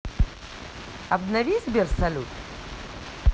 обнови сбер салют